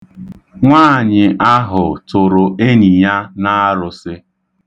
Nwaanyị ahụ tụrụ enyi ya n'arụsị.